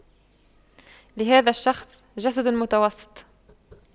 لهذا الشخص جسد متوسط